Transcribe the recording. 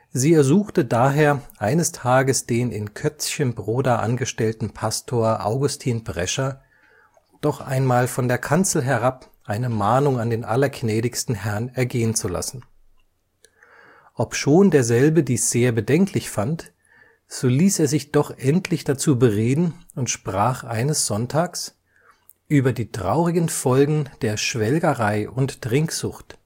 Sie ersuchte daher eines Tages den in Kötzschenbroda angestellten Pastor M. Augustin Prescher, doch einmal von der Kanzel herab eine Mahnung an den allergnädigsten Herrn ergehen zu lassen. Obschon derselbe dies sehr bedenklich fand, so ließ er sich doch endlich dazu bereden und sprach eines Sonntags » über die traurigen Folgen der Schwelgerei und Trunksucht